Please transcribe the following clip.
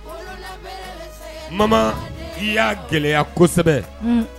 Mama i y'a gɛlɛya kosɛbɛ